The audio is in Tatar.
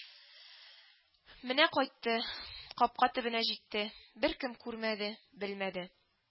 Менә кайтты, капка төбенә җитте. Беркем күрмәде, белмәде